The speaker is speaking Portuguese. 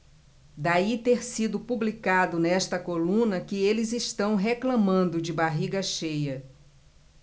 daí ter sido publicado nesta coluna que eles reclamando de barriga cheia